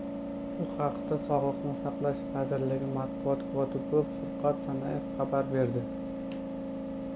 bu haqda sog'liqni saqlash vazirligi matbuot kotibi furqat sanayev xabar berdi